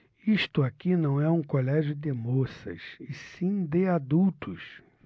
isto aqui não é um colégio de moças e sim de adultos